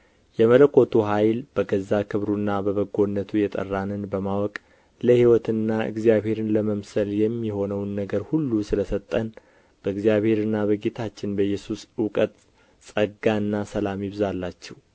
የመለኮቱ ኃይል በገዛ ክብሩና በበጎነቱ የጠራንን በማወቅ ለሕይወትና እግዚአብሔርን ለመምሰል የሚሆነውን ነገር ሁሉ ስለ ሰጠን በእግዚአብሔርና በጌታችን በኢየሱስ እውቀት ጸጋና ሰላም ይብዛላችሁ